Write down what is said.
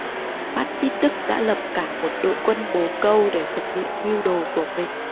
phát xít đức đã lập cả một đội quân bồ câu để thực hiện mưu đồ của mình